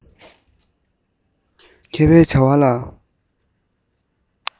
མཁས པའི བྱ བ ལ